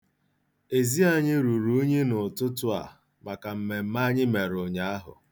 Ezi anyị ruru unyi n'ụtụtụ a maka mmemme anyị mere ụnyaahụ.